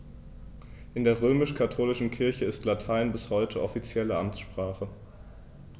In der römisch-katholischen Kirche ist Latein bis heute offizielle Amtssprache.